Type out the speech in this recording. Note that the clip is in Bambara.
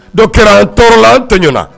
Dɔ kɛra an tɔɔrɔ la an tɔɲan